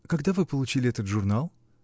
-- Когда вы получили этот журнал?